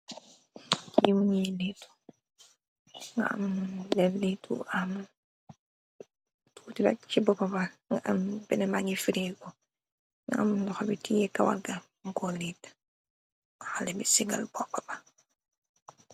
Kii mingi leetu, nga am lellitu, am tuuti rekk ci boppa ba, nga am benne bangi fireego, nga am loxa bi tiye kawar ga mungko leta, xale bi sigal boppaba.